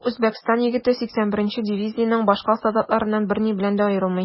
Бу Үзбәкстан егете 81 нче дивизиянең башка солдатларыннан берни белән дә аерылмый.